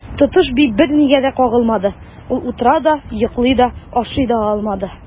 Тотыш би бернигә дә кагылмады, ул утыра да, йоклый да, ашый да алмады.